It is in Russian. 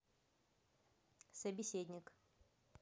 собеседник